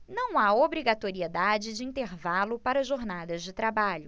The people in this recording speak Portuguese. não há obrigatoriedade de intervalo para jornadas de trabalho